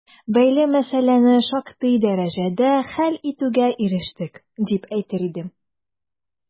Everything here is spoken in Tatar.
Бәйле мәсьәләне шактый дәрәҗәдә хәл итүгә ирештек, дип әйтер идем.